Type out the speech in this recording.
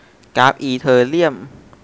กราฟอีเธอเรียม